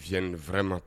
Fi2ma